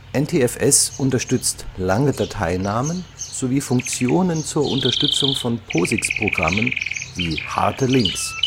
NTFS unterstützt lange Dateinamen sowie Funktionen zur Unterstützung von POSIX-Programmen wie harte Links